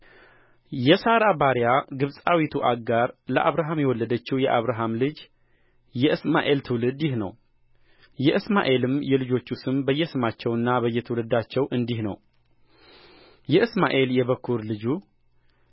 የሣራ ባሪያ ግብፃዊቱ አጋር ለአብርሃም የወለደችው የአብርሃም ልጅ የእስማኤል ትውልድ ይህ ነው የእስማኤልም የልጆቹ ስም በየስማቸውና በየትውልዳቸው እንዲህ ነው የእስማኤል የበኵር ልጁ